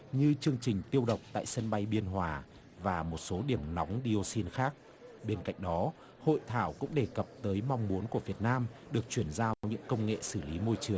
như chương trình tiêu độc tại sân bay biên hòa và một số điểm nóng đi ô xin khác bên cạnh đó hội thảo cũng đề cập tới mong muốn của việt nam được chuyển giao những công nghệ xử lý môi trường